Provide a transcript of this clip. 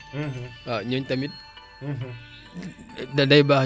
da day baax ñoom tamit nañ xaa dañ war a déglu météo